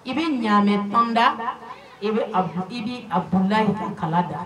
I bɛ ɲamɛ tɔnda i i bɛ a bolola i ko kala da